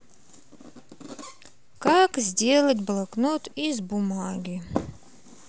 как сделать блокнот из бумаги